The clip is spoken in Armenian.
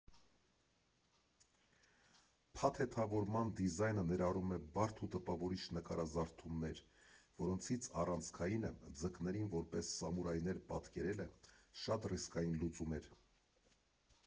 Փաթեթավորման դիզայնը ներառում է բարդ ու տպավորիչ նկարազարդումներ, որոնցից առանցքայինը՝ ձկներին որպես սամուրայներ պատկերելը, շատ ռիսկային լուծում էր։